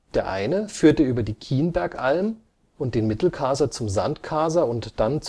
Der eine führte über die Kienbergalm und den Mitterkaser zum Sandkaser und dann